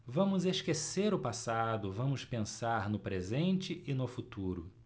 vamos esquecer o passado vamos pensar no presente e no futuro